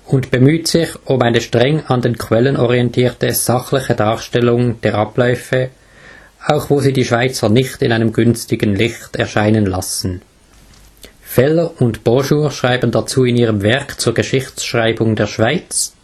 und bemüht sich um eine streng an den Quellen orientierte, sachliche Darstellung der Abläufe, auch wo sie die Schweizer nicht in einem günstigen Licht erscheinen lassen. Feller/Bonjour schreiben dazu in ihrem Werk zur Geschichtsschreibung der Schweiz